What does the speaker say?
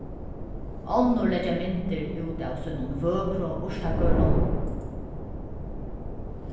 onnur leggja myndir út av sínum vøkru urtagørðum